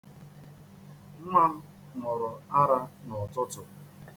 Nwa m ṅụrụ ara n'ụtụtụ.